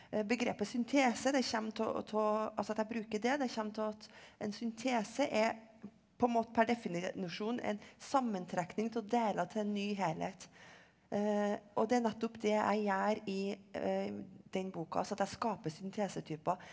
begrepet syntese det kommer av av altså at jeg bruker det det kommer av at en syntese er på en per definisjon en sammentrekning av deler til en ny helhet og det er nettopp det jeg gjør i den boka altså at jeg skaper syntesetyper.